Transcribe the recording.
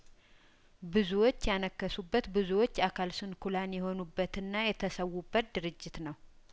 ብዙዎች ያነከሱ በት ብዙዎች አካለንስኩላን የሆኑበትና የተሰዉበት ድርጅት ነው